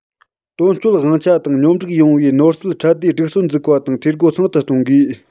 དོན གཅོད དབང ཆ དང སྙོམས སྒྲིག ཡོང བའི ནོར སྲིད ཁྲལ བསྡུའི སྒྲིག སྲོལ འཛུགས པ དང འཐུས སྒོ ཚང དུ གཏོང དགོས